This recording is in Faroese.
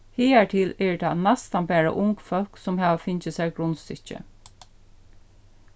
higartil eru tað næstan bara ung fólk sum hava fingið sær grundstykki